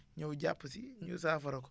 ñëw jàpp si ngir saafara ko